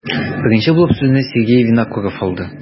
Беренче булып сүзне Сергей Винокуров алды.